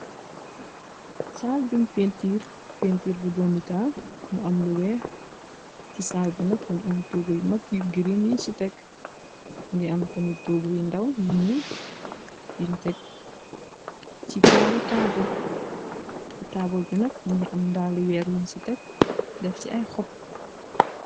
saal biñ pntiir pintiir bu doo bitaal mu am lu weex ci saal bi nak mngi am tuuguy mag yu gren iñ ci tekk ngi am tami touguy ndaw yu ñuul yuñ tegg ci pegg ali taabal bi nakk mngi am ndaali weer yiñ ci tekk def ci ay xopp